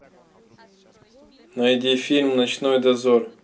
найди фильм ночной дозор